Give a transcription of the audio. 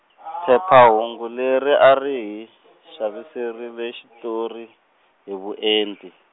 phephahungu leri a ri hi , xaviserile xitori, hi vuenti.